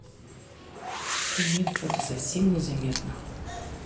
нет это совсем не заметно